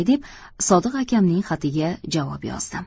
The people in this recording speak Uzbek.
deb sodiq akamning xatiga javob yozdim